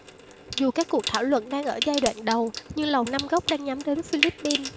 dù các cuộc thảo luận đang ở giai đoạn đầu nhưng lầu năm góc đang nhắm đến philippines